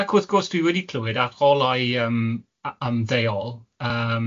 Ac wrth gwrs dwi wedi clywed athrolau yym a- yym ymddeuol yym.